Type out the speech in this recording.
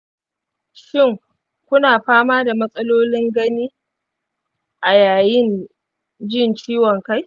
shin ku na fama da matsalolin gani a yayin jin ciwon kai?